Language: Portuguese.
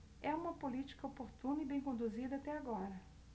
é uma política oportuna e bem conduzida até agora